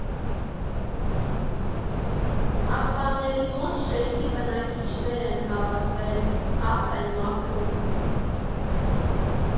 Աղբանների մոտ շենքի բնակիչներ են հավաքվել, աղբն են մաքրում։